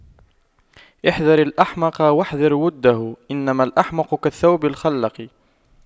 احذر الأحمق واحذر وُدَّهُ إنما الأحمق كالثوب الْخَلَق